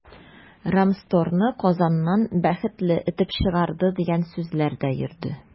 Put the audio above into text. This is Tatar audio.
“рамстор”ны казаннан “бәхетле” этеп чыгарды, дигән сүзләр дә йөрде.